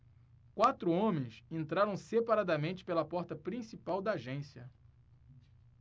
quatro homens entraram separadamente pela porta principal da agência